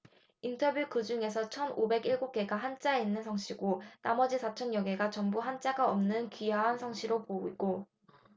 인터뷰 그중에서 천 오백 일곱 개가 한자가 있는 성씨고 나머지 사천 여 개가 전부 한자가 없는 귀화한 성씨로 보이고